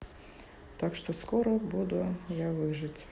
так что я скоро буду выжить